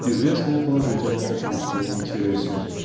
известные положительные умственные интересы.